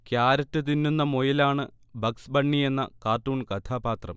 carrot തിന്നുന്ന മുയലാണ് Bugs ബണ്ണിയെന്ന കാർട്ടൂൺ കഥാപാത്രാം